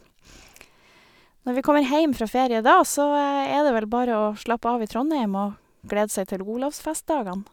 Når vi kommer heim fra ferie da, så er det vel bare å slappe av i Trondheim og glede seg til Olavsfestdagene.